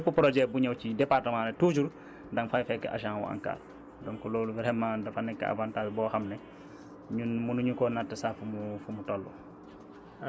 donc bépp projet bu ñëw ci département rek toujours da nga fay fekk agent wu ANCAR donc loolu vraiment dafa nekk avantage boo xam ne ñun mënuñu koo natt sax fi mu toll